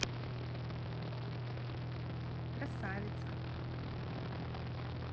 красавица